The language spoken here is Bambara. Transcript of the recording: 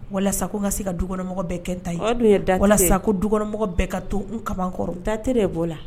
Walasa ko ŋa se ka dukɔnɔmɔgɔ bɛɛ kɛ n ta ye o dun ye date ye walasa ko dukɔnɔmɔgɔ bɛɛ ka to n kaman kɔrɔ date de b'o la